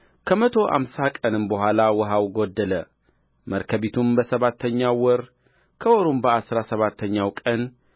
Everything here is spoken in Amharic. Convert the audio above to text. ከመቶ አምሳ ቀንም በኋላ ውኃው ጎደለ መርከቢቱም በሰባተኛው ወር ከወሩም በአሥራ ሰባተኛው ቀን